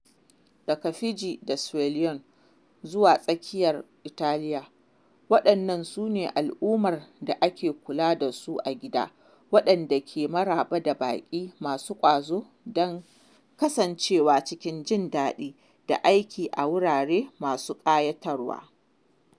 Daga Fiji da Sierra Leone zuwa tsakiyar Italiya, waɗannan su ne al’ummar da ake kulawa da su a gida waɗanda ke maraba da baƙi masu ƙwazo don kasan cewa cikin jin daɗi da aiki a wurare masu ƙayatarwa.